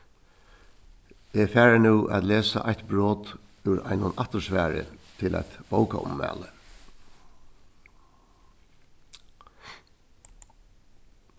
eg fari nú at lesa eitt brot úr einum aftursvari til eitt bókaummæli